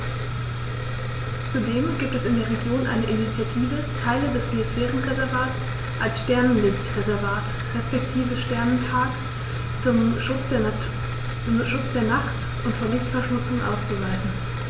Zudem gibt es in der Region eine Initiative, Teile des Biosphärenreservats als Sternenlicht-Reservat respektive Sternenpark zum Schutz der Nacht und vor Lichtverschmutzung auszuweisen.